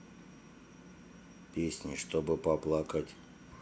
песни чтобы поплакать